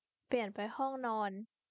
เปลี่ยนไปห้องนอน